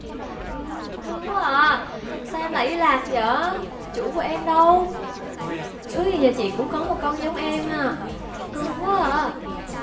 ư thương quá à sao em lại đi lạc dợ chủ của em đâu ước gì nhà chị cũng có một con giống em à cưng quá